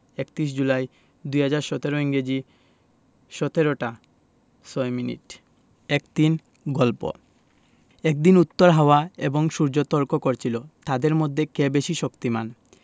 ৩১ July ২০১৭ ইংরেজি ১৭ টা ৬ minute ১৩ গল্প একদিন উত্তর হাওয়া এবং সূর্য তর্ক করছিল তাদের মধ্যে কে বেশি শক্তিমান